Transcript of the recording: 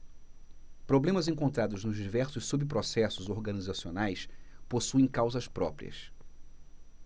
problemas encontrados nos diversos subprocessos organizacionais possuem causas próprias